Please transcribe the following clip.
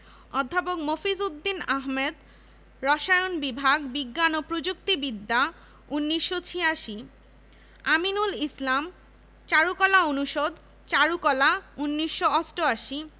অধ্যাপক মফিজ উদ দীন আহমেদ রসায়ন বিভাগ বিজ্ঞান ও প্রযুক্তি বিদ্যা ১৯৮৬ আমিনুল ইসলাম চারুকলা অনুষদ চারুকলা ১৯৮৮